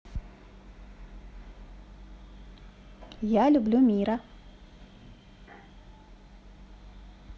я люблю мира